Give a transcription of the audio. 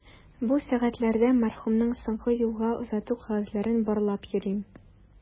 Бу сәгатьләрдә мәрхүмнең соңгы юлга озату кәгазьләрен барлап йөрим.